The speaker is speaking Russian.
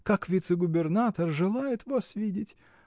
Как вице-губернатор желает вас видеть!.